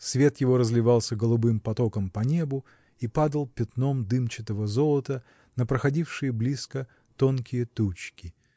свет его разливался голубым потоком по небу и падал пятном дымчатого золота на проходившие близко тонкие тучки